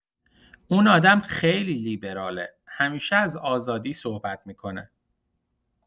اون آدم خیلی لیبراله، همیشه از آزادی صحبت می‌کنه.